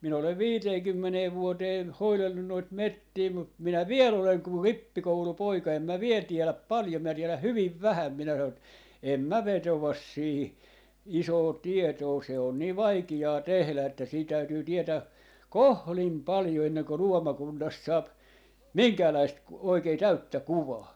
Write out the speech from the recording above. minä olen viiteenkymmeneen vuoteen hoidellut noita metsiä mutta minä vielä olen kuin rippikoulupoika en minä vielä tiedä paljon minä tiedän hyvin vähän minä sanoin että en minä vetoa siihen isoon tietoon se on niin vaikeaa tehdä että siinä täytyy tietää kohdin paljon ennen kuin luomakunnasta saa minkäänlaista - oikein täyttä kuvaa